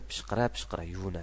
pishqira pishqira yuvinadi